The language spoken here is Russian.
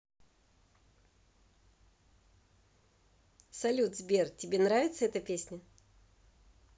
салют сбер тебе нравится эта песня